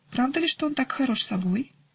правда ли, что он так хорош собой?